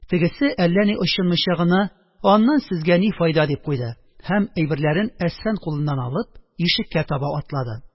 Тегесе, әллә ни очынмыйча гына: – Аннан сезгә ни файда? – дип куйды һәм, әйберләрен Әсфан кулыннан алып, ишеккә таба атлады.